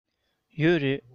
ཡོད རེད